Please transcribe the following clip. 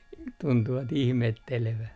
tuntuivat ihmettelevän